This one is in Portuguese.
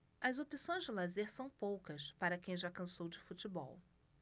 as opções de lazer são poucas para quem já cansou de futebol